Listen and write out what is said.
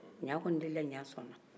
ɲaa kɔni delila ɲaa sɔn na